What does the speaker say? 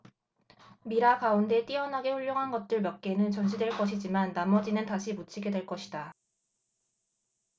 미라 가운데 뛰어나게 훌륭한 것들 몇 개는 전시될 것이지만 나머지는 다시 묻히게 될 것이다